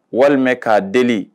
Walima k'a deli